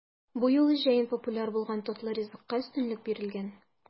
Бу юлы җәен популяр булган татлы ризыкка өстенлек бирелгән.